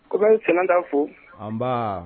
Kɔ bɛ fanata fo nba